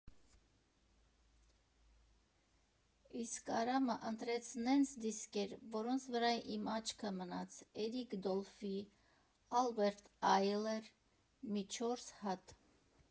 Իսկ Արամը ընտրեց նենց դիսկեր, որոնց վրա իմ աչքը մնաց՝ Էրիկ Դոլֆի, ԱԼբերտ ԱՅլեր, մի չորս հատ։